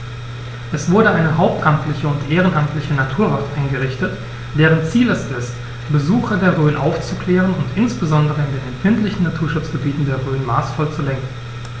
Es wurde eine hauptamtliche und ehrenamtliche Naturwacht eingerichtet, deren Ziel es ist, Besucher der Rhön aufzuklären und insbesondere in den empfindlichen Naturschutzgebieten der Rhön maßvoll zu lenken.